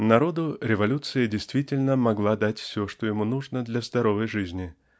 Народу революция действительно могла дать все что ему нужно для здоровой жизни